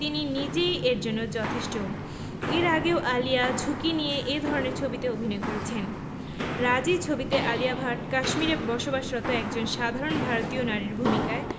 তিনি নিজেই এর জন্য যথেষ্ট এর আগেও আলিয়া ঝুঁকি নিয়ে এ ধরনের ছবিতে অভিনয় করেছেন রাজী ছবিতে আলিয়া ভাট কাশ্মীরে বসবাসরত একজন সাধারন ভারতীয় নারীর ভূমিকায়